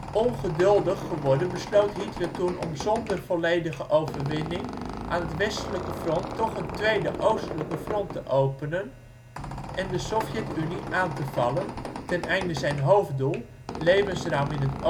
Ongeduldig geworden besloot Hitler toen om zonder volledige overwinning aan het westelijke front toch een tweede oostelijke front te openen en de Sovjet-Unie aan te vallen; teneinde zijn hoofdoel, Lebensraum in het oosten